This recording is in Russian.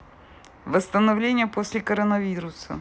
восстановление после коронавируса